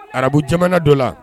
Arabu jamana dɔ la